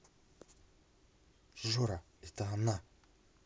жора это она